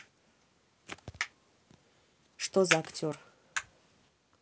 что за актер